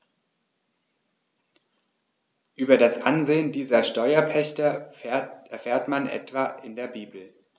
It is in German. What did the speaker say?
Über das Ansehen dieser Steuerpächter erfährt man etwa in der Bibel.